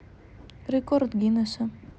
рекорд гиннесса